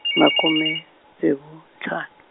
makume, ntsevu ntlhanu.